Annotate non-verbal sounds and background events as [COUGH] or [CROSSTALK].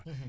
[HESITATION] [HESITATION]